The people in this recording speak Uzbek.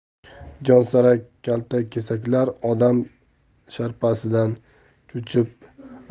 jonsarak kaltakesaklar odam sharpasidan cho'chib